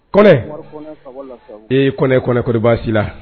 Kɔnɛ Umar Kɔnɛ ka bɔ Lafiabougou ee Kɔnɛ Kɔnɛ kodi baasi t'i la